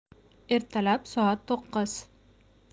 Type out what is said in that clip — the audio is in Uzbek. ertalab soat to'qqiz